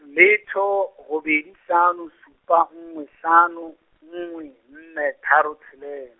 letho, robedi hlano supa nngwe hlano nngwe nne tharo tshelela.